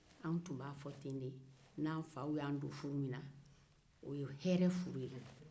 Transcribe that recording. anw tun b'a fɔ ten de n'an faw y'an don furu min na o ye hɛɛrɛ furu ye